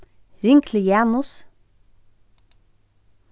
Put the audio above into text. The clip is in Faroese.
ring til janus